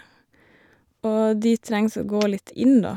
Og de trengs å gå litt inn, da.